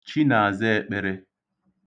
Chinàzaēkpērē